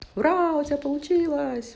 ура у тебя получилось